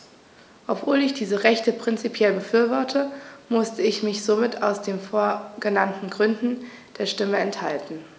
Obwohl ich diese Rechte prinzipiell befürworte, musste ich mich somit aus den vorgenannten Gründen der Stimme enthalten.